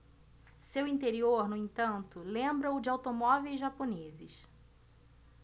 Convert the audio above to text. seu interior no entanto lembra o de automóveis japoneses